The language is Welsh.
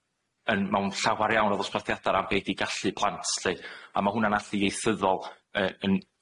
yn mewn llawer iawn o ddosbarthiada o ran be' 'di gallu plant lly, a ma' hwnna'n allu ieithyddol yy yn